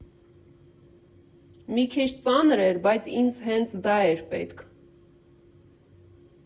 Մի քիչ ծանր էր, բայց ինձ հենց դա էր պետք։